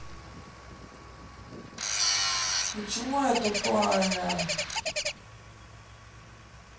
почему я тупая